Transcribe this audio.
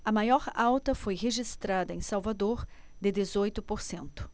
a maior alta foi registrada em salvador de dezoito por cento